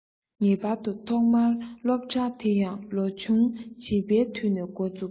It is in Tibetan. ངེས པར དུ ཐོག མར སློབ གྲྭའི དེ ཡང ལོ ཆུང བྱིས པའི དུས ནས འགོ བཙུགས ཏེ